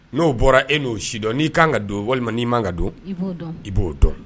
N'o bɔra e n'o si dɔn n'i ka kan ka don walima n'i man kan ka don i b'o dɔn